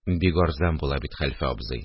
– бик арзан була бит, хәлфә абзый